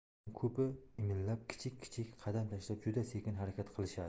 ularning ko'pi imillab kichik kichik qadam tashlab juda sekin harakat qilishadi